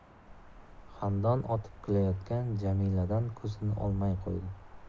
xandon otib kulayotgan jamiladan ko'zini olmay qo'ydi